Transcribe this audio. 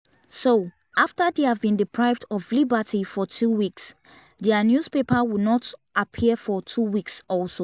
So, after they have been deprived of liberty for two weeks, their newspaper will not appear for two weeks also.